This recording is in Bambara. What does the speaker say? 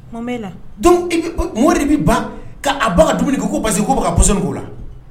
Mori de bɛ ba'a ba ka dumuni ko parce k' bɛ ka k'o la